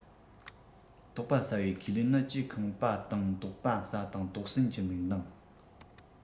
དོགས པ ཟ བའི ཁས ལེན ནི གྱིས ཁེངས པ དང དོགས པ ཟ དང དོགས ཟོན གྱི མིག མདངས